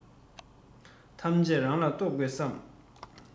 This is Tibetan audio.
ཐམས ཅད རང ལ གཏོགས དགོས སྙམ